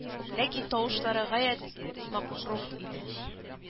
Ләкин тавышлары гаять мәкруһ иде